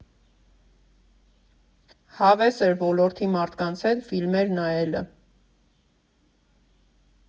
Հավես էր ոլորտի մարդկանց հետ ֆիլմեր նայելը։